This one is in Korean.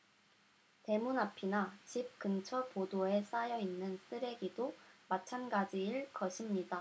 대문 앞이나 집 근처 보도에 쌓여 있는 쓰레기도 마찬가지일 것입니다